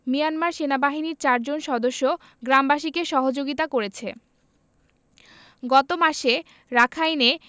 Myanmar সেনাবাহিনীর চারজন সদস্য গ্রামবাসীকে সহযোগিতা করেছে গত মাসে রাখাইনে